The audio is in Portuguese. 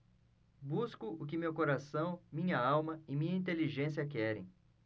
busco o que meu coração minha alma e minha inteligência querem